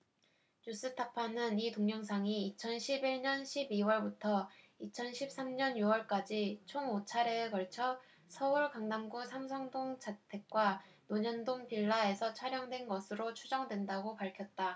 뉴스타파는 이 동영상이 이천 십 일 년 십 이 월부터 이천 십 삼 년 유 월까지 총 오 차례에 걸쳐 서울 강남구 삼성동 자택과 논현동 빌라에서 촬영된 것으로 추정된다고 밝혔다